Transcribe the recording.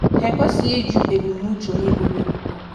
Ha ekwesịghị ịjụ ebumnuche onye boro ebubo.